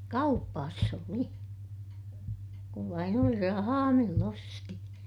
kaupassa oli kun vain oli rahaa millä osti